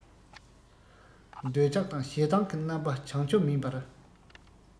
འདོད ཆགས དང ཞེ སྡང གི རྣམ པ བྱང ཆུབ མིན པར